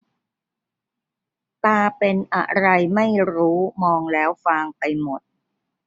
ตาเป็นอะไรไม่รู้มองแล้วฟางไปหมด